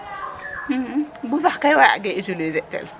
gusax moom waagee utiliser tel .